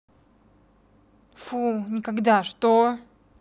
фууу никогда что